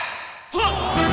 cô